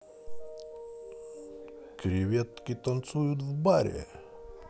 креветки танцуют в баре